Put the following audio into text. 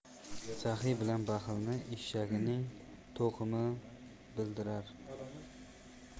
saxiy bilan baxilni eshagining to'qimi bildirar